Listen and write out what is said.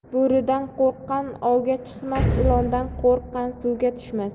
bo'ridan qo'rqqan ovga chiqmas ilondan qo'rqqan suvga tushmas